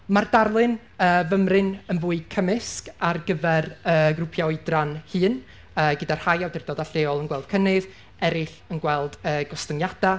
Ma'r darlun yy fymryn yn fwy cymysg ar gyfer y grwpiau oedran hŷn, yy gyda rhai awdurdodau lleol yn gweld cynnydd, eraill yn gweld yy gostyngiadau.